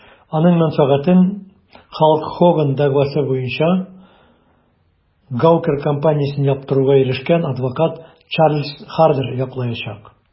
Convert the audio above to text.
Аның мәнфәгатен Халк Хоган дәгъвасы буенча Gawker компаниясен яптыруга ирешкән адвокат Чарльз Хардер яклаячак.